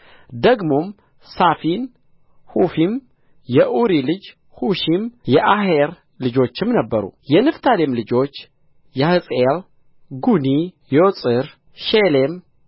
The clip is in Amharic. ደግሞም ሳፊን ሑፊም የዒር ልጆች ሑሺም የአሔር ልጆችም ነበሩ የንፍታሌም ልጆች ያሕጽኤል ጉኒ ዬጽር ሺሌም